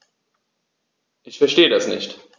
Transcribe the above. Ich verstehe das nicht.